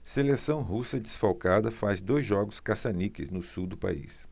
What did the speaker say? seleção russa desfalcada faz dois jogos caça-níqueis no sul do país